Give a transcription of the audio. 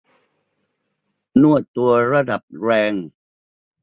นวดตัวระดับแรง